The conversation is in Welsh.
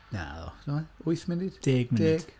Naddo, do fe, wyth munud?... deg munud... deg.